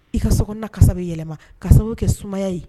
I ka sokɔnɔna kasa bɛ yɛlɛma ka sababu kɛ sumaya ye.